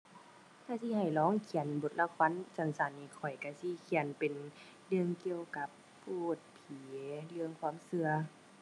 ถ้าสิให้ลองเขียนบทละครสั้นสั้นนี้ ข้อยก็สิเขียนเป็นเรื่องเกี่ยวกับภูต ผี เรื่องความก็